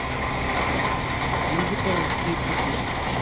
музыка русские хиты